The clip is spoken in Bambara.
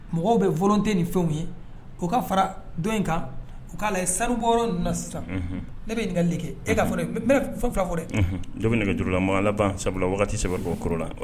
Mɔgɔw bɛ volonté ni fɛnw ye u ka fara dɔ in kan u k'a lajɛ sanubɔyɔrɔ ninnu na sisan. Unhun! Ne bɛ ɲininkali de kɛ, e ka fɔ ne ye. n bɛna fɛn 2 de fɔ dɛ. Unhun, dɔ bɛ nɛgɛjuru la, mɔgɔ laban sabula waati sɛbɛ kɔrɔ koron la.